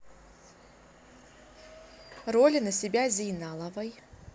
роли на себя зейналовой